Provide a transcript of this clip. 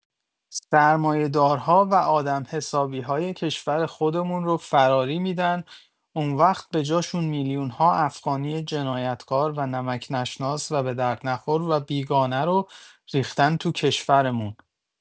سرمایه دارها و آدم حسابی‌های کشور خودمون رو فراری می‌دن اونوقت به جاشون میلیون‌ها افغانی جنایتکار و نمک‌نشناس و بدردنخور و بیگانه رو ریختن تو کشورمون